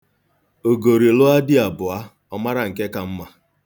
Ogori lụọ di abụọ, ọ mara nke ka mma.